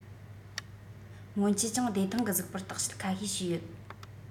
སྔོན ཆད གྱང བདེ ཐང གི གཟུགས པོར བརྟག དཔྱད ཁ ཤས བྱོས ཡོད